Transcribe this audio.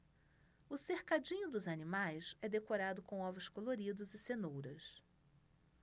o cercadinho dos animais é decorado com ovos coloridos e cenouras